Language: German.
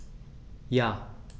Ja.